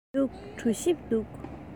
མི འདུག གྲོ ཞིབ འདུག